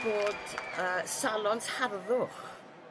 bod yy salons harddwch